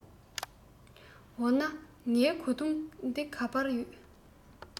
འོ ན ངའི གོས ཐུང དེ ག པར ཡོད